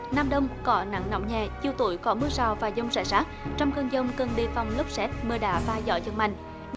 nam đông có nắng nóng nhẹ chiều tối có mưa rào và dông rải rác trong cơn dông cần đề phòng lốc sét mưa đá và gió giật mạnh